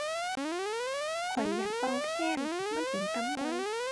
ข้อยอยากเป่าแคน มันเป็นตาม่วน